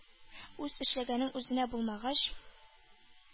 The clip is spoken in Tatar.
Үз эшләгәнең үзеңә булмагач,